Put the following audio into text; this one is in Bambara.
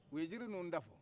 u ye jiri ninnu da fɔ